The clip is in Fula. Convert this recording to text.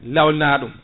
lawli na ɗum